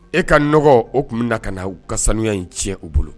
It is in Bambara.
E ka n o tun bɛ na ka na u ka sanuya in tiɲɛ o bolo